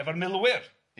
efo'r milwyr